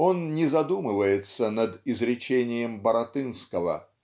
он не задумывается над изречением Баратынского